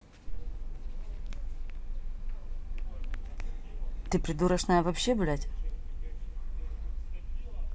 ты придурочная вообще блядь